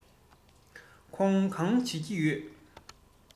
ཁྱོད གང བྱེད ཀྱི ཡོད